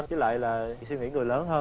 với lại là suy nghĩ người lớn hơn